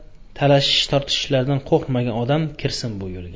talashish tortishishlardan qo'rqmagan odam kirsin bu yo'lga